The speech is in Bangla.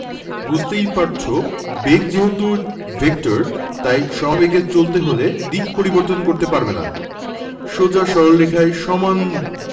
বুঝতেই পারছ বেগ যেহেতু ভেক্টর তাই সমবেগে চলতে হলে দিক পরিবর্তন করতে পারবে না সোজা সরল রেখায় সমান